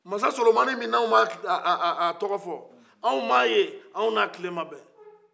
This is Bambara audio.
masa solomani mi ni an bɛ a tɔgɔ fɔ anw ma a ye anw ni a tile ma bɛ